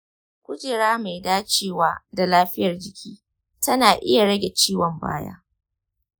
kujera mai dacewa da lafiyar jiki tana iya rage ciwon baya.